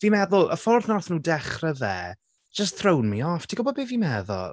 Fi'n meddwl y ffordd wnaethon nhw dechrau fe just thrown me off. Ti'n gwybod be fi'n meddwl?